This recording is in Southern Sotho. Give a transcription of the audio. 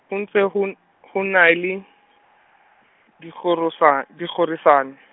ho ntse ho n-, ho na e le, dikgoro sa-, dikgoresane-.